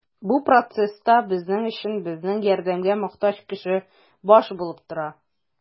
Бу процесста безнең өчен безнең ярдәмгә мохтаҗ кеше баш булып тора.